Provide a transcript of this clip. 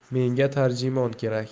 menga tarjimon kerak